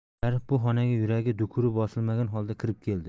sharif bu xonaga yuragi dukuri bosilmagan holda kirib keldi